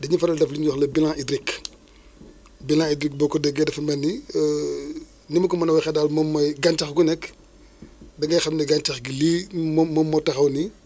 dañuy faral di def li ñuy wax le bilan hydrique bilan hydrique boo ko déggee dafa mel ni ni ma ko mën a waxee daal moom mooy gàncax gu nekk da ngay xam ne gàncax gi lii moom moo taxaw nii